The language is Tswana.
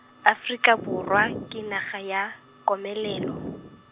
Aforika Borwa, ke naga ya, komelelo.